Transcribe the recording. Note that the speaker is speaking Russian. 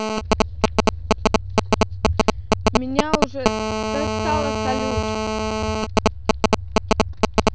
меня уже достала салют